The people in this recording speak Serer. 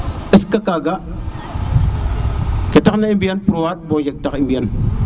est ce que kaga ketax na mbi an bo waag jeg tax i mbiyan